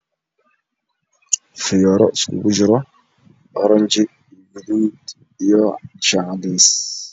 Waa fiyoore iskugu jiro oranji, gaduud iyo shaax cadeys.